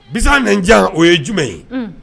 Bisa nijan o ye jumɛn ye